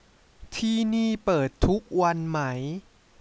ที่นี่เปิดทุกวันไหม